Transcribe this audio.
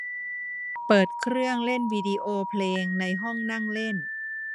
เปิดเครื่องเล่นวิดิโอเพลงในห้องนั่งเล่น